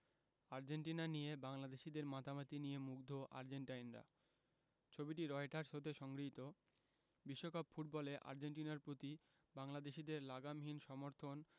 Argentina নিয়ে বাংলাদেশিদের মাতামাতি নিয়ে মুগ্ধ আর্জেন্টাইনরা ছবিটি রয়টার্স হতে সংগৃহীত বিশ্বকাপ ফুটবলে আর্জেন্টিনার প্রতি বাংলাদেশিদের লাগামহীন সমর্থন